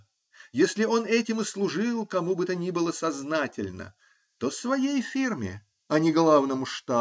если он этим и служил кому бы то ни было сознательно, то своей фирме, а не главному штабу.